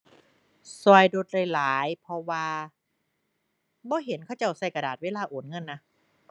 ช่วยลดได้หลาย เพราะว่าบ่เห็นเขาเจ้าช่วยกระดาษเวลาโอนเงินนะ